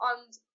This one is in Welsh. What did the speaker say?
ond